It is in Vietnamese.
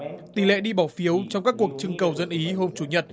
tỷ lệ đi bỏ phiếu trong các cuộc trưng cầu dân ý hôm chủ nhật